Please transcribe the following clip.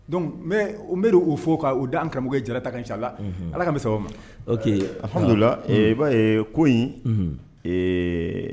Donc n n bɛ don ko fɔ, ka o da an karamɔgɔkɛ jara ta kan inch'Allah . Unhnu,. Ala k'an bɛ sababa ma. Ok alihamidulila, ɛɛ i b'a ye ko in. Unhun. Ee